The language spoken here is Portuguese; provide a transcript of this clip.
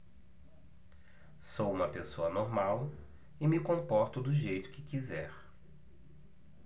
sou homossexual e me comporto do jeito que quiser